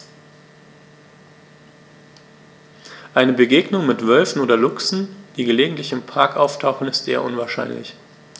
Eine Begegnung mit Wölfen oder Luchsen, die gelegentlich im Park auftauchen, ist eher unwahrscheinlich.